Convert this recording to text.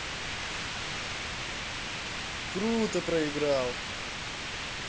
круто проиграл